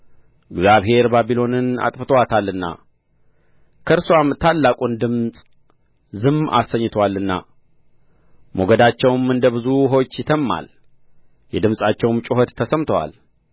እግዚአብሔር ባቢሎንን አጥፍቶአታልና ከእርስዋም ታላቁን ድምፅ ዝም አሰኝቶአልና ሞገዳቸውም እንደ ብዙ ውኆች ይተምማል የድምፃቸውም ጩኸት ተሰምቶአል